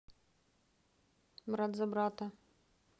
брат за брата